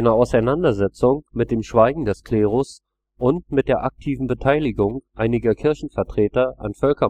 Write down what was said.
Auseinandersetzung mit dem Schweigen des Klerus und mit der aktiven Beteiligung einiger Kirchenvertreter an Völkermordstraftaten